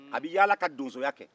a bɛ yaala ka donsoya kɛ